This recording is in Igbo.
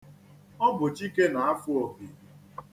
Ọ bụ Chike na-afụ opi.